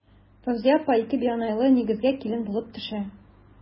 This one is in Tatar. Фәүзия апа ике бианайлы нигезгә килен булып төшә.